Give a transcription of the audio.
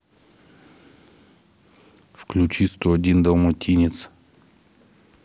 включи сто один далматинец